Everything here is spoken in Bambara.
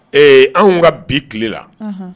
Ee anw ŋa bi kile la